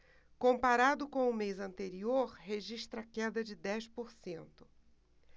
comparado com o mês anterior registra queda de dez por cento